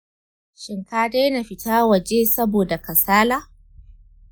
shin ka daina fita waje saboda kasala?